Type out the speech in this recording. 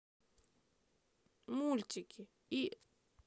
мультики и